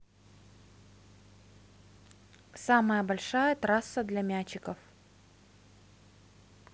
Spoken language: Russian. самая большая трасса для мячиков